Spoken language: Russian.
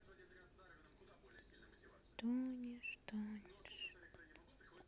тонешь тонешь